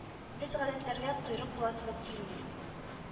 Без гадәтләргә койрык буласыбыз килми